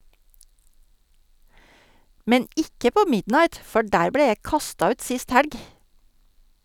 Men IKKE på Midnight, for der ble jeg kasta ut sist helg.